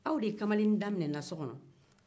aw de ye kamalennin da minɛ n na so kɔnɔ